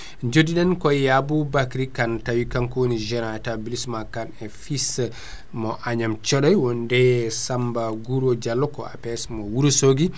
joddiɗen koye Aboubacry kane kanko woni gérant établissemnt Kane et fils mo Agnam Thioday wonde e Samba Guro Diallo ko APS mo Wourossogui